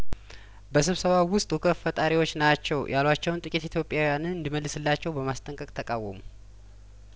በስብሰባው ውስጥ ሁከት ፈጣሪዎች ናቸው ያሏቸውን ጥቂት ኢትዮጵያውያንን እንዲ መልስላቸው በማስጠንቀቅ ተቃወሙ